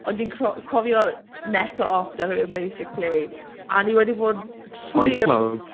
Ond dwi'n cro- cofio neco off 'da rhywun basically a o’n i wedi bod trwy’r... Boi Clwb?